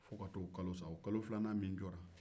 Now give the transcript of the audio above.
fo ka taa o kalo sa o kalo filanan min jɔra